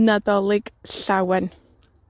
Nadolig llawen!